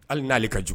Hali n'ale ka kojugu